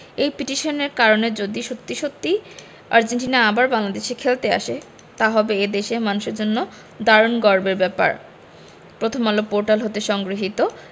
এই পিটিশনের কারণে যদি সত্যি সত্যিই আর্জেন্টিনা আবার বাংলাদেশে খেলতে আসে তা হবে এ দেশের মানুষের জন্য দারুণ গর্বের ব্যাপার প্রথমআলো পোর্টাল হতে সংগৃহীত